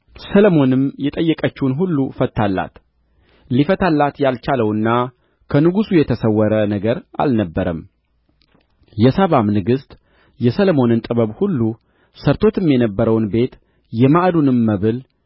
ሰሎሞንም የጠየቀችውን ሁሉ ፈታላት ሊፈታላት ያልቻለውና ከንጉሡ የተሰወረ ነገር አልነበረም የሳባም ንግሥት የሰሎሞንን ጥበብ ሁሉ ሠርቶትም የነበረውን ቤት የማዕዱንም መብል